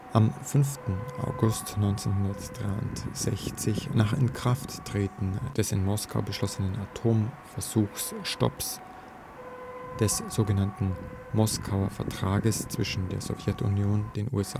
Am 5. August 1963, nach Inkrafttreten des in Moskau beschlossenen Atomversuchstopps, des sogenannten ' Moskauer Vertrages ' zwischen der Sowjetunion, den USA